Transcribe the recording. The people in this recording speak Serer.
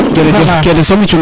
jerejef kene soom i cunga na nuun